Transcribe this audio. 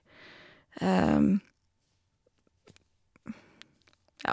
Ja.